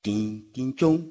tin kin njoo